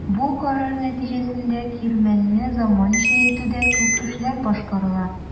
Бу карар нәтиҗәсендә кирмәнне заманча итүдә күп эшләр башкарыла.